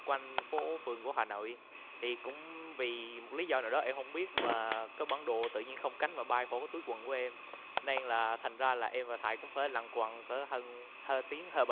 quanh phố phường của hà nội thì cũng vì một lý do nào đó em hổng biết mà cái bản đồ tự nhiên không cánh mà bay khỏi túi quần của em nên là thành ra là em và thầy cũng phải lẩn quẩn cỡ hơn hai tiếng hai